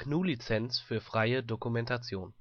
GNU Lizenz für freie Dokumentation